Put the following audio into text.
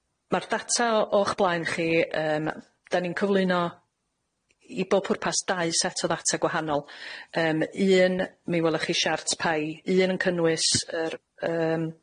Ma'r data o- o'ch blaen chi yym, 'dan ni'n cyflwyno i bob pwrpas dau set o ddata gwahanol, yym un mi welwch chi siart pie, un yn cynnwys yr yym